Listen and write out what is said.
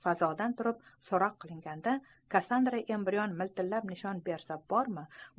fazodan turib so'roq qilinganda kassandra embrion miltillab nishon bersa bormi